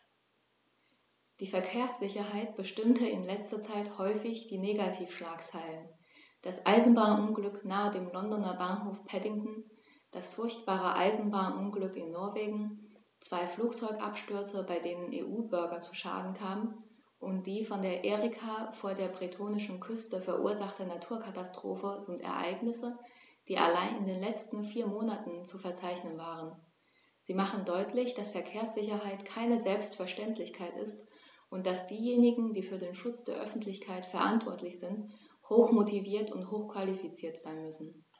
Die Verkehrssicherheit bestimmte in letzter Zeit häufig die Negativschlagzeilen: Das Eisenbahnunglück nahe dem Londoner Bahnhof Paddington, das furchtbare Eisenbahnunglück in Norwegen, zwei Flugzeugabstürze, bei denen EU-Bürger zu Schaden kamen, und die von der Erika vor der bretonischen Küste verursachte Naturkatastrophe sind Ereignisse, die allein in den letzten vier Monaten zu verzeichnen waren. Sie machen deutlich, dass Verkehrssicherheit keine Selbstverständlichkeit ist und dass diejenigen, die für den Schutz der Öffentlichkeit verantwortlich sind, hochmotiviert und hochqualifiziert sein müssen.